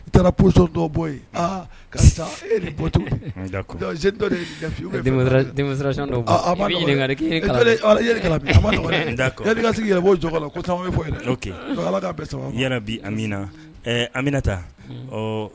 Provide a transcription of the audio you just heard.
I taara psɔ dɔ bɔ ye eto'o jɔ la ko fɔ ala bi min na an bɛ taa